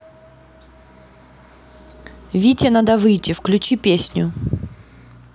вите надо выйти включи песню